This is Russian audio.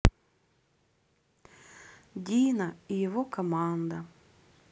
дино и его команда